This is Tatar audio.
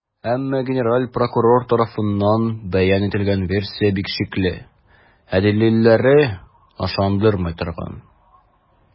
Әмма генераль прокурор тарафыннан бәян ителгән версия бик шикле, ә дәлилләре - ышандырмый торган.